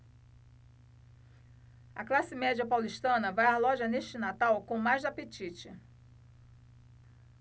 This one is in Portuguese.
a classe média paulistana vai às lojas neste natal com mais apetite